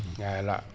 Yaya La